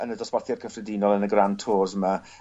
yn y dosbarthiad cyffredinol yn y Grand Tours 'ma